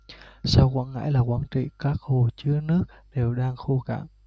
sau quảng ngãi là quảng trị các hồ chứa nước đều đang khô cạn